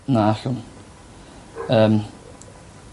Na allwn. Yym.